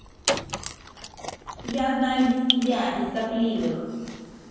я знаю без тебя без сопливых